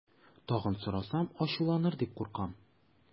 Тагын сорасам, ачуланыр дип куркам.